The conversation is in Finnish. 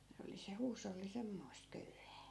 se oli se huusholli semmoista köyhää